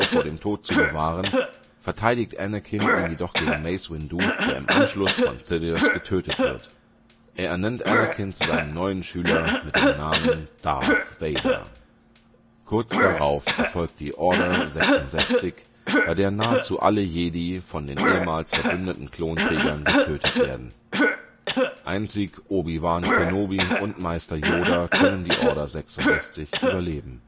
vor dem Tod zu bewahren, verteidigt Anakin ihn jedoch gegen Mace Windu, der im Anschluss von Sidious getötet wird. Er ernennt Anakin zu seinem neuen Schüler mit dem Namen Darth Vader. Kurz darauf erfolgt die Order 66, bei der nahezu alle Jedi von den ehemals verbündeten Klonkriegern getötet werden. Einzig Obi-Wan Kenobi und Meister Yoda konnten die Order 66 überleben